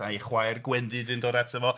A'i chwaer Gwenddydd yn dod ato fo.